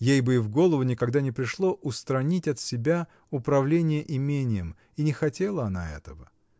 Ей бы и в голову никогда не пришло устранить от себя управление имением, и не хотела она этого.